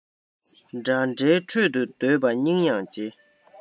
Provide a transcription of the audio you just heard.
འདྲ འདྲའི ཁྲོད དུ སྡོད པ སྙིང ཡང རྗེ